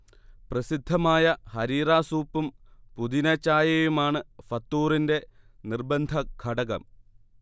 പ്രസിദ്ധമായ 'ഹരീറ' സൂപ്പും പുതിനച്ചായയുമാണ് ഫതൂറിന്റെ നിർബന്ധ ഘടകം